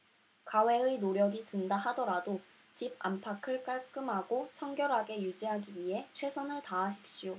가외의 노력이 든다 하더라도 집 안팎을 깔끔하고 청결하게 유지하기 위해 최선을 다하십시오